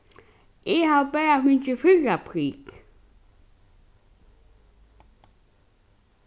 eg havi bara fingið fyrra prik